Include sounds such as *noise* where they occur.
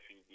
*hesitation*